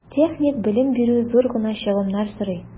Техник белем бирү зур гына чыгымнар сорый.